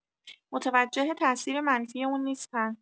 متوجه تاثیر منفی اون نیستن